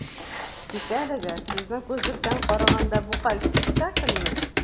Тик әлегә, сезнең күзлектән караганда, бу хәл - спектакльмы?